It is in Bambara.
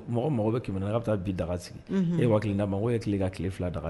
Mɔgɔ mɔgɔ bɛ kɛmɛɛna ne' bɛ taa bin daga sigi e waati na mɔgɔ ye tile ka tile fila daga